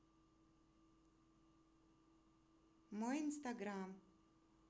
мой инстаграм